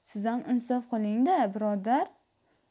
sizam insof qiling da birodar